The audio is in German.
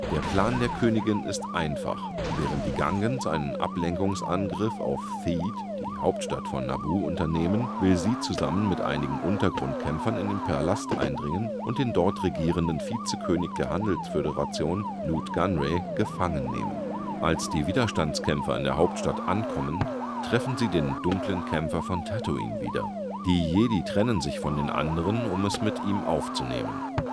Der Plan der Königin ist einfach: Während die Gungans einen Ablenkungsangriff auf Theed, die Hauptstadt von Naboo unternehmen, will sie zusammen mit einigen Untergrundkämpfern in den Palast eindringen und den dort regierenden Vizekönig der Handelsföderation, Nute Gunray, gefangen nehmen. Als die Widerstandskämpfer in der Hauptstadt ankommen, treffen sie den dunklen Kämpfer von Tatooine wieder. Die Jedi trennen sich von den anderen, um es mit ihm aufzunehmen